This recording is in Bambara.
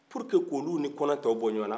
pour que kow lu ni kɔnɛ tɔw bɔ ɲɔgɔnna